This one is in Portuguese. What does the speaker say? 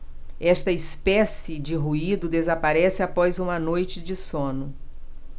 esta espécie de ruído desaparece após uma noite de sono